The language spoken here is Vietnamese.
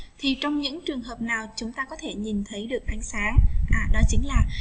thì trong những trường hợp nào chúng ta có thể nhìn thấy được ánh sáng hả đó chính là